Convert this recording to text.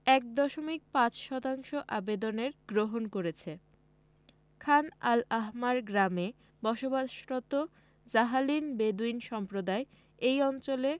১.৫ শতাংশ আবেদনের গ্রহণ করেছে খান আল আহমার গ্রামে বসবাসরত জাহালিন বেদুইন সম্প্রদায় এই অঞ্চলে